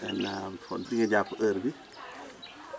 maintenant kon fu ñuy jàpp heure bi